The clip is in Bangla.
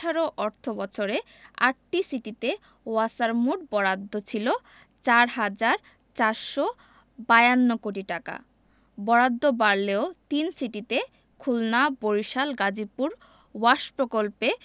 ২০১৭ ১৮ অর্থবছরে আটটি সিটিতে ওয়াসার মোট বরাদ্দ ছিল ৪ হাজার ৪৫২ কোটি টাকা বরাদ্দ বাড়লেও তিন সিটিতে খুলনা বরিশাল গাজীপুর